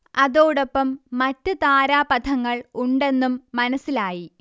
അതോടൊപ്പം മറ്റ് താരാപഥങ്ങൾ ഉണ്ടെന്നും മനസ്സിലായി